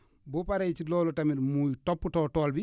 bu paree ci loolu tamit mu toppatoo tool bi